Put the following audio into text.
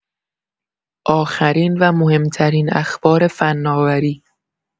آخرین و مهمترین اخبار فناوری